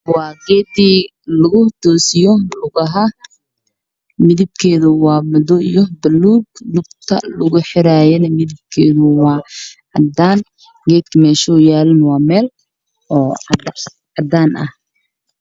Waa sawir xayeysiis waxaa ii muuqdo soonka lagu xirto lugaha lagu ayuu ku xiran yahay oo ii muuqdo hadda